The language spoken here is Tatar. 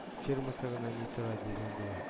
Фирмасы гына ни тора, дигән була